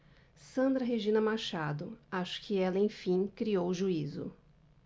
sandra regina machado acho que ela enfim criou juízo